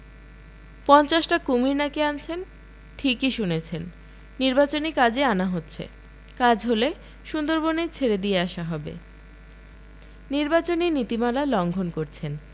পঞ্চাশটা কুমীর না কি আনছেন ঠিকই শুনেছেন নির্বাচনী কাজে আনা হচ্ছে কাজ হলে সুন্দরবনে ছেড়ে দিয়ে আসা হবে ‘নিবাচনী নীতিমালা লংঘন করছেন